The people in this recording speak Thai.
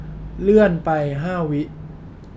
เลื่อนไปห้าวิ